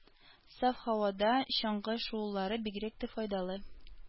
Саф һавада чаңгы шуулары бигрәк тә файдалы.